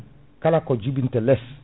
kala ko jiibinta less